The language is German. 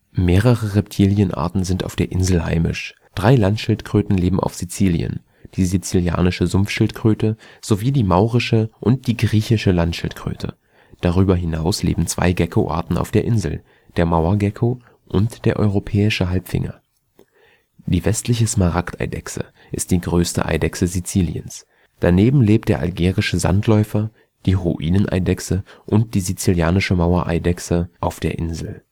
Mehrere Reptilienarten sind auf der Insel heimisch: Drei Landschildkröten leben auf Sizilien, die Sizilianische Sumpfschildkröte sowie die Maurische und die Griechische Landschildkröte. Darüber hinaus leben zwei Geckoarten auf der Insel, der Mauergecko und der Europäische Halbfinger. Die Westliche Smaragdeidechse ist die größte Eidechse Siziliens. Daneben lebt der Algerische Sandläufer, die Ruineneidechse und die Sizilianische Mauereidechse auf der Insel